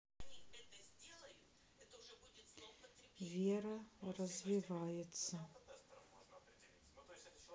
вера развивается